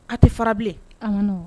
Aw tɛ fara bilen